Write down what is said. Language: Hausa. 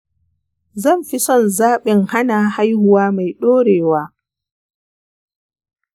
zan fi son zaɓin hana haihuwa mai ɗorewa.